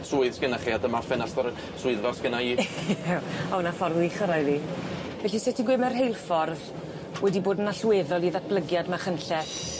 swydd sgennach chi a dyma'r ffenast gora' swyddfa sgenna i. O 'na ffordd wych o roi ddi. Felly sut ti'n gweud ma'r rheilffordd wedi bod yn allweddol i ddatblygiad Machynlleth?